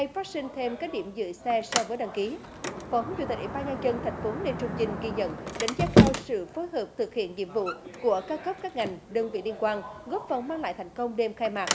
hay phát sinh thêm các điểm giữ xe so với đăng ký phó chủ tịch ủy ban nhân dân thành phố lê chung trinh ghi nhận đánh giá cao sự phối hợp thực hiện nhiệm vụ của các cấp các ngành đơn vị liên quan góp phần mang lại thành công đêm khai mạc